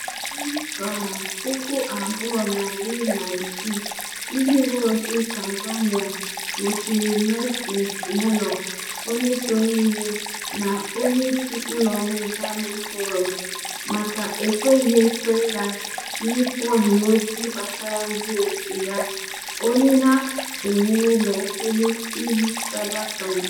Na Disemba 2016, ndị uweojii Tanzania nwụchiri Maxence Melo, onye soro hiwe, na onyeisi ụlọọrụ Jamii Forums, maka ekweghị ekwe ya n'ikpughe ozi gbasara ndị òtù ya, ọnịna e mere n'okpuru Iwu Cybercrimes.